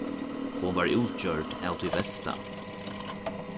hon var útgjørd av tí besta